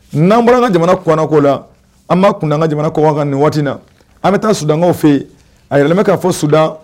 Nan bɔra an ka jamana kɔnɔna ko la, an ban kun da an ka jamana kɔkan nin waati in na . An bɛ taa sudankaw fe yen a yiralen bɛ ka fɔ sudan